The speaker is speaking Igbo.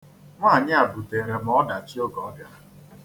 Nwaanyi a buteere m ọdachi oge ọ bịara.